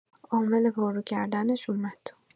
عامل پررو کردنش اومد.